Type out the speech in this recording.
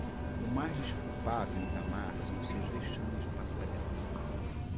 o mais desculpável em itamar são os seus vexames de passarela